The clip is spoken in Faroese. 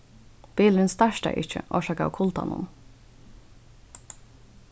bilurin startaði ikki orsakað av kuldanum